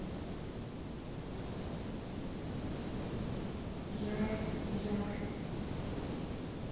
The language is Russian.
яр яр